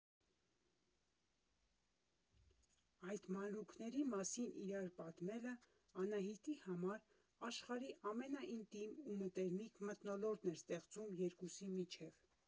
Այդ մանրուքների մասին իրար պատմելը Անահիտի համար աշխարհի ամենաինտիմ ու մտերմիկ մթնոլորտն էր ստեղծում երկուսի միջև։